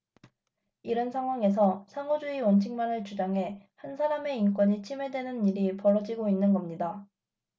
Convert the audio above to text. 이런 상황에서 상호주의 원칙만을 주장해 한 사람의 인권이 침해되는 일이 벌어지고 있는 겁니다